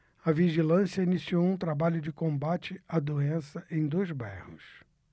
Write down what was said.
a vigilância iniciou um trabalho de combate à doença em dois bairros